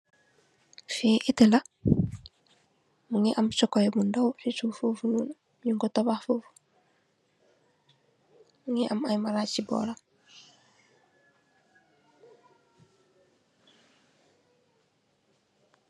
Fi arta la, mungi am sokoy bu ndaw fofunoon nung ko tabah fu. Mungi am ay maraj chi boram.